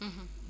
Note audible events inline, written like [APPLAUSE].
[HESITATION] [HESITATION]